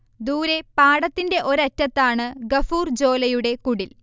ദൂരെ പാടത്തിന്റെ ഒരറ്റത്താണ് ഗഫൂർ ജോലയുടെ കുടിൽ